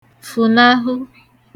fụ̀nahụ